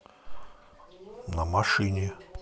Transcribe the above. на машине